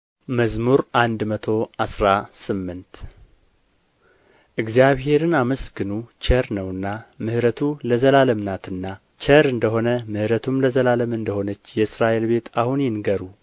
መዝሙር መቶ አስራ ስምንት እግዚአብሔርን አመስግኑ ቸር ነውና ምሕረቱ ለዘላለም ናትና ቸር እንደ ሆነ ምሕረቱ ለዘላለም እንደ ሆነች የእስራኤል ቤት አሁን ይንገሩ